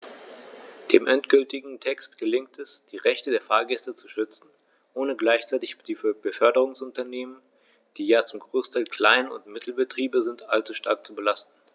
Dem endgültigen Text gelingt es, die Rechte der Fahrgäste zu schützen, ohne gleichzeitig die Beförderungsunternehmen - die ja zum Großteil Klein- und Mittelbetriebe sind - allzu stark zu belasten.